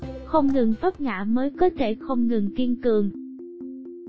không ngừng vấp ngã mới có thể không ngừng kiên cường